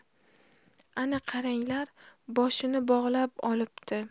ana qaranglar boshini bog'lab olibdi